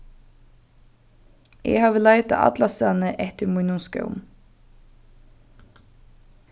eg havi leitað allastaðni eftir mínum skóm